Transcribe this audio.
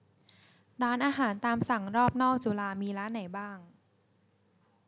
ร้านอาหารตามสั่งรอบนอกจุฬามีร้านไหนบ้าง